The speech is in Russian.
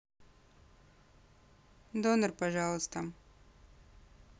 донер пожалуйста